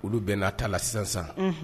Olu bɛn na' ta la sisan sisan.